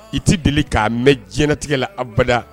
I tɛ deli k'a mɛn diɲɛtigɛ la abada